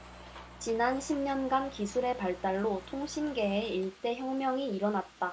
지난 십 년간 기술의 발달로 통신계에 일대 혁명이 일어났다